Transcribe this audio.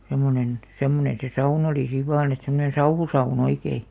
semmoinen semmoinen se sauna oli siinä vain että semmoinen sauhusauna oikein